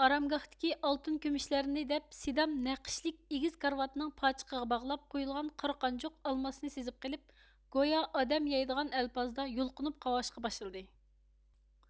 ئارامگاھتىكى ئالتۇن كۈمۈشلەرنى دەپ سىدام نەقىشلىك ئېگىز كارىۋاتنىڭ پاچىقىغا باغلاپ قويۇلغان قارا قانجۇق ئالماسنى سىزىپ قېلىپ گويا ئادەم يەيدىغان ئەلپازدا يۇلقۇنۇپ قاۋاشقا باشلىدى